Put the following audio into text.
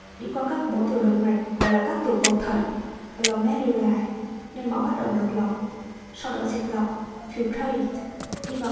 đi qua các bó tiểu động mạch gọi là các tiểu cầu thận nơi máu bắt đầu được lọc sau đó dịch lọc đi vào